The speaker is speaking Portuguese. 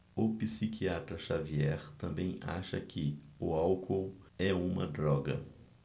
o psiquiatra dartiu xavier também acha que o álcool é uma droga